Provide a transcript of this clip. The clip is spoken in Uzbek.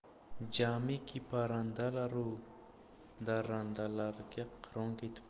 jamiki parrandalaru darrandalarga qiron kepti